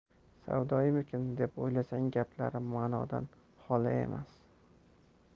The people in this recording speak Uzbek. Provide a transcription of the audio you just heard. savdoyimikin deb o'ylasang gaplari manodan xoli emas